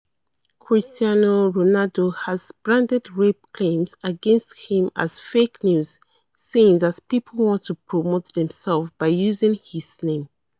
Cristiano Ronaldo has branded rape claims against him as "fake news," saying that people "want to promote themselves" by using his name.